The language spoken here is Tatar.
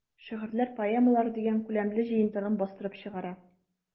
"шигырьләр, поэмалар” дигән күләмле җыентыгын бастырып чыгара.